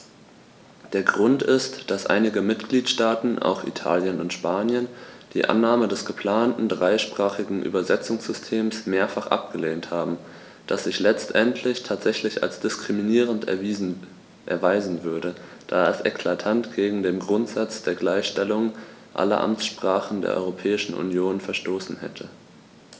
Der Grund ist, dass einige Mitgliedstaaten - auch Italien und Spanien - die Annahme des geplanten dreisprachigen Übersetzungssystems mehrfach abgelehnt haben, das sich letztendlich tatsächlich als diskriminierend erweisen würde, da es eklatant gegen den Grundsatz der Gleichstellung aller Amtssprachen der Europäischen Union verstoßen hätte.